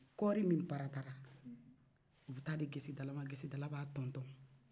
kɔɔri min paratara u bɛ taa di gesedala ma gesedala b'a tɔntɔn